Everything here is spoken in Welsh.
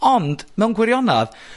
Ond, mewn gwirionadd,